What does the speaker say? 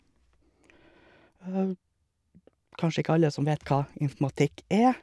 Kanskje ikke alle som vet hva informatikk er.